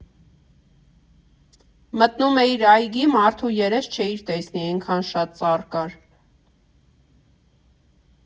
Մտնում էիր այգի, մարդու երես չէիր տեսնի, էնքան շատ ծառ կար։